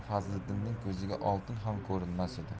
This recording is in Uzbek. ko'ziga oltin ham ko'rinmas edi